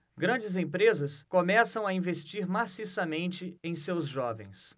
grandes empresas começam a investir maciçamente em seus jovens